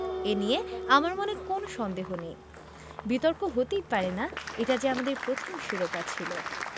এ নিয়ে আমার মনে কোনো সন্দেহ নেই বিতর্ক হতেই পারে না এটা যে আমাদের প্রথম শিরোপা ছিল